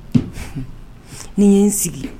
N ye' n sigi